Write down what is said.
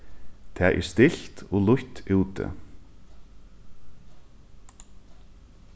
tað er stilt og lýtt úti